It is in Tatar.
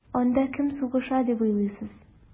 Анда кем сугыша дип уйлыйсыз?